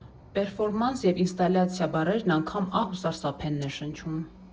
Պերֆորմանս և ինստալացիա բառերն անգամ ահ ու սարսափ են ներշնչում։